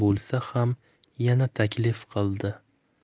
bo'lsa ham yana taklif qildi